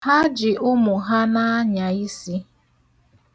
Ha ji ụmụ ha na-anya isi.